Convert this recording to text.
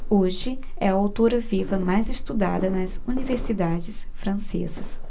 hoje é a autora viva mais estudada nas universidades francesas